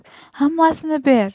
hammasini ber